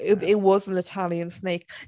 It it was an Italian snake.